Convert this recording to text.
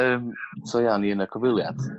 yym so ia oni yn y cyfweliad